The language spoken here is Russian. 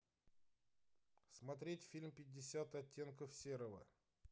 смотреть фильм пятьдесят оттенков серого